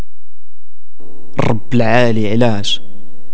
العالي علاج